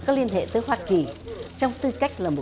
các liên hệ tới hoa kỳ trong tư cách là một